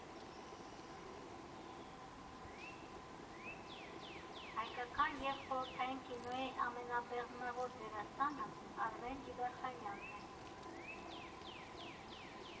Հայկական և խորհրդային կինոյի ամենաբեղմնավոր դերասանը Արմեն Ջիգարխանյանն է։